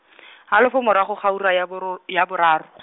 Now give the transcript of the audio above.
halofo morago ga ura ya boro, ya boraro .